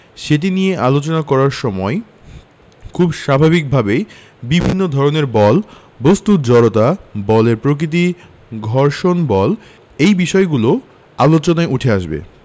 সেটি নিয়ে আলোচনা করার সময় খুব স্বাভাবিকভাবেই বিভিন্ন ধরনের বল বস্তুর জড়তা বলের প্রকৃতি ঘর্ষণ বল এই বিষয়গুলোও আলোচনায় উঠে আসবে